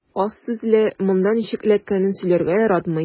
Аз сүзле, монда ничек эләккәнен сөйләргә яратмый.